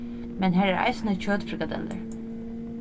men her eru eisini kjøtfrikadellur